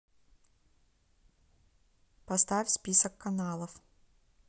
поставь список каналов